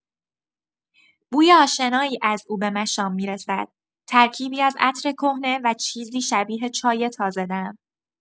بوی آشنایی از او به مشام می‌رسد، ترکیبی از عطر کهنه و چیزی شبیه چای تازه دم.